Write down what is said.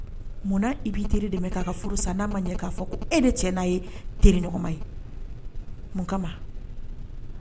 Munna i bɛ teri dɛmɛ k'a ka furu san n'a ma ɲɛ k'a fɔ ko e ne cɛ n'a ye terima ye